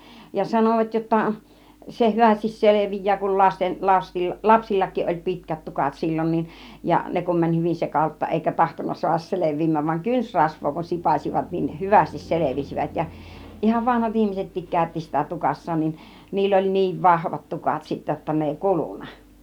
ja sanovat jotta se hyvästi selviää kun lasten - lapsillakin oli pitkät tukat silloin niin ja ne kun meni hyvin sekalutta eikä tahtonut saada selviämään vaan kynsirasvaa kun sipaisivat niin hyvästi selvisivät ja ihan vanhat ihmisetkin käytti sitä tukassaan niin niillä oli niin vahvat tukat sitten jotta ne ei kulunut